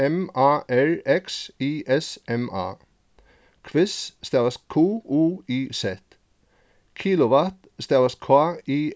m a r x i s m a quiz stavast q u i z kilowatt stavast k i